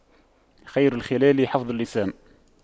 خير الخلال حفظ اللسان